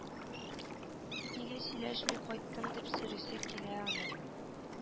Нигә сөйләшми кайттың дип сорыйсы килә аның